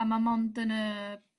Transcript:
a ma' mond yn y